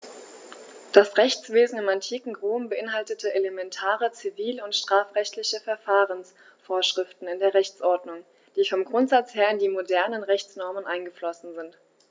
Das Rechtswesen im antiken Rom beinhaltete elementare zivil- und strafrechtliche Verfahrensvorschriften in der Rechtsordnung, die vom Grundsatz her in die modernen Rechtsnormen eingeflossen sind.